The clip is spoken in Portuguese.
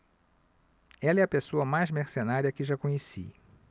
ela é a pessoa mais mercenária que já conheci